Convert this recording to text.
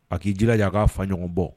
A k'i jilaja k'a fa ɲɔgɔn bɔ.